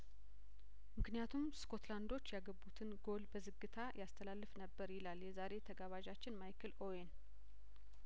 ምክንያቱም ስኮትላንዶች ያገቡትን ጐል በዝግታ ያስተላልፍ ነበር ይላል የዛሬ ተጋባዣችን ማይክል ኦይን